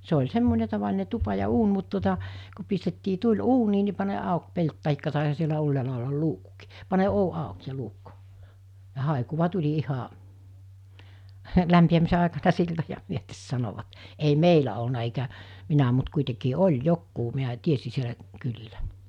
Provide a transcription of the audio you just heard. se oli semmoinen tavallinen tupa ja uuni mutta tuota kun pistettiin tuli uuniin niin pane auki pelti tai taisihan siellä ylhäällä olla luukkukin pane ovi auki ja luukku ja haikua tuli ihan lämpiämisen aikana siltoja myöten sanoivat ei meillä ollut eikä minä mutta kuitenkin oli jotkut minä tiesin siellä kylillä